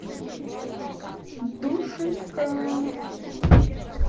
душенька